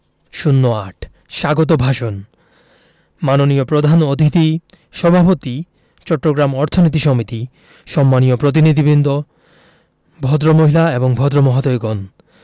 ০৮ স্বাগত ভাষণ মাননীয় প্রধান অতিথি সভাপতি চট্টগ্রাম অর্থনীতি সমিতি সম্মানীয় প্রতিনিধিবৃন্দ ভদ্রমহিলা এবং ভদ্রমহোদয়গণ